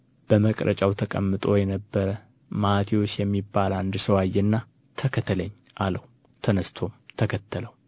በመቅረጫው ተቀምጦ የነበረ ማቴዎስ የሚባል አንድ ሰው አየና ተከተለኝ አለው ተነሥቶም ተከተለው